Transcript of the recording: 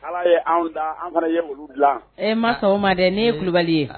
Ala ye da an fana ye dilan e ma sɔn o maden nin yebali ye